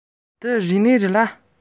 ངའི འགྲམ དུ ཡོད པའི ལོ བཅུ ལས